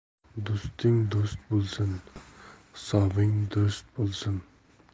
do'sting do'st bo'lsin hisobing durust bo'lsin